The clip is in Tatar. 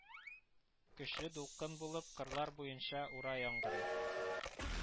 Көчле дулкын булып кырлар буенча ура яңгырый